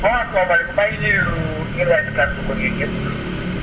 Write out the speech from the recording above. waaw asalaamaaleykum maa ngi nuyu